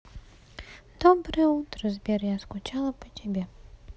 доброе утро сбер я скучала по тебе